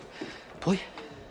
Pwy?